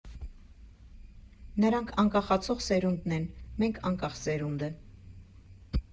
Նրանք անկախացող սերունդն են, մենք՝ անկախ սերունդը։